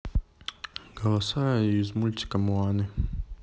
голоса из мультика моаны